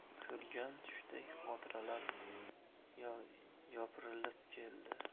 ko'rgan tushdek xotiralar yopirilib keldi